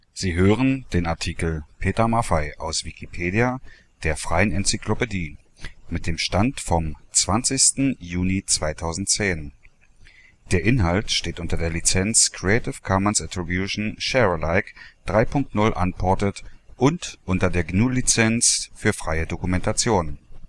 Sie hören den Artikel Peter Maffay, aus Wikipedia, der freien Enzyklopädie. Mit dem Stand vom Der Inhalt steht unter der Lizenz Creative Commons Attribution Share Alike 3 Punkt 0 Unported und unter der GNU Lizenz für freie Dokumentation